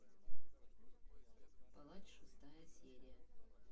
палач шестая серия